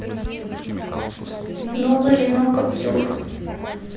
новый рено каптюр